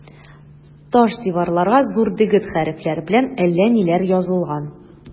Таш диварларга зур дегет хәрефләр белән әллә ниләр язылган.